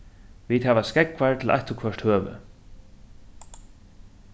vit hava skógvar til eitt og hvørt høvi